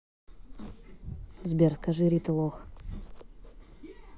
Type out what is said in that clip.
сбер скажи рита лох